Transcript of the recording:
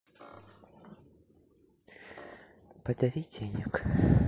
подари денег